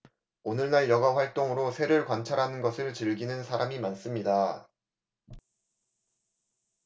오늘날 여가 활동으로 새를 관찰하는 것을 즐기는 사람이 많습니다